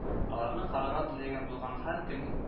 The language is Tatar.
Аларны карарга теләге булган һәркем